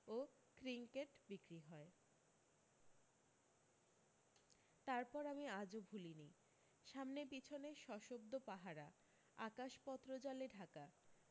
ও trinket বিক্রী হয় তারপর আমি আজও ভুলি নি সামনে পিছনে সশব্দ পাহারা আকাশ পত্রজালে ঢাকা